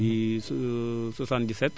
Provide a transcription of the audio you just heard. di 77